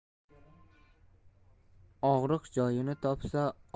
og'riq joyini topsa